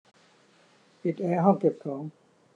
ปิดแอร์ห้องเก็บของ